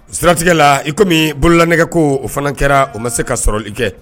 Siratigɛ laa i comme bololanɛgɛ koo o fana kɛra o ma se ka sɔrɔli kɛ